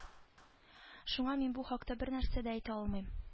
Шуңа мин бу хакта бернәрсә әйтә алмыйм